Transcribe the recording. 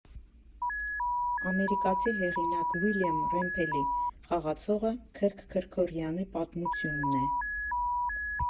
Ամերիկացի հեղինակ Ուիլյամ Ռեմփելի «Խաղացողը» Քըրք Քրքորյանի պատմությունն է։